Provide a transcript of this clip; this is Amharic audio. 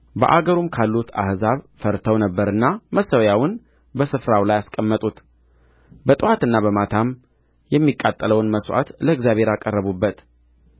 በአገሩም ካሉት አሕዛብ ፈርተው ነበርና መሠዊያውን በስፍራው ላይ አስቀመጡት በጥዋትና በማታም የሚቃጠለውን መሥዋዕት ለእግዚአብሔር አቀረቡበት